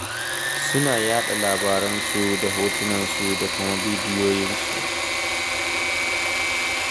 Suna yaɗa labaransu da hotunansu da kuma bidiyoyinsu.